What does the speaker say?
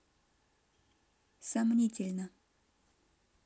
сомнительно